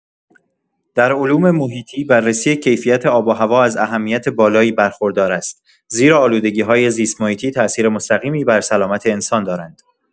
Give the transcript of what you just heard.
در علوم محیطی، بررسی کیفیت آب و هوا از اهمیت بالایی برخوردار است، زیرا آلودگی‌های زیست‌محیطی تاثیر مستقیمی بر سلامت انسان دارند.